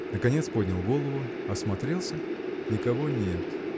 Наконец поднял голову, осмотрелся – никого нет.